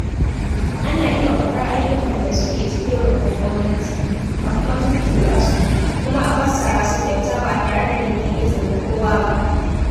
Ana iya kwafar ayyukan da suke cikin rumbun gwamnati, a kuma tuttura su, kuma a fassara su kyauta ba tare da neman izinin kowa ba.